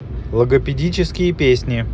логопедические песни